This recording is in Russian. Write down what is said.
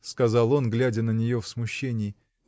— сказал он, глядя на нее в смущении.